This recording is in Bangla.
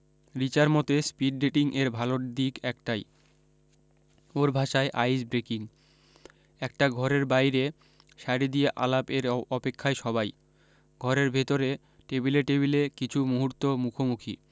রিচার মতে স্পীড ডেটিং এর ভালো দিক একটাই ওর ভাষায় আইস ব্রেকিং একটা ঘরের বাইরে সারি দিয়ে আলাপ এর অপেক্ষায় সবাই ঘরের ভেতরে টেবিলে টেবিলে কিছু মূহুর্ত মুখোমুখি